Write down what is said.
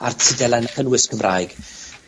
a'r tudalen cynnwys Cymraeg.